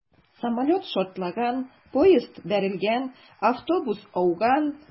Самолет шартлаган, поезд бәрелгән, автобус ауган...